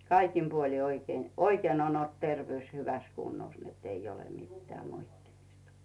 kaikin puolin oikein oikein on ollut terveys hyvässä kunnossa että ei ole mitään moittimista